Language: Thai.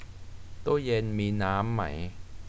ตู้เย็นมีน้ำไหม